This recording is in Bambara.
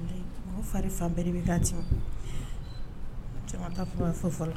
Fa fan bɛɛ bɛ cɛman kuma fɔ fɔlɔ